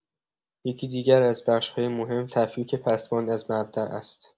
یکی دیگر از بخش‌های مهم، تفکیک پسماند از مبدا است.